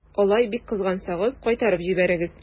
Алай бик кызгансагыз, кайтарып җибәрегез.